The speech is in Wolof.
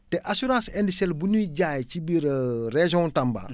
te assurance indicelle bu nuy jaay ci biir région Tamba